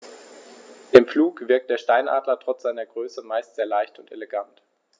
Im Flug wirkt der Steinadler trotz seiner Größe meist sehr leicht und elegant.